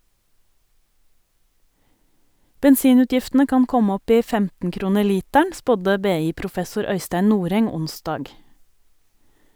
Bensinutgiftene kan komme opp i 15 kroner literen, spådde BI-professor Øystein Noreng onsdag.